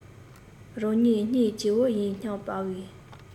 རང ཉིད སྙིང རྗེ བོ ཡིན སྙམ པའི